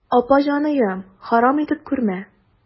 Апа җаныем, харап итә күрмә.